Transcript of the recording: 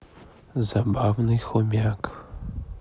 забавный хомяк